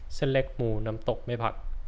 เส้นเล็กหมูน้ำตกไม่ผัก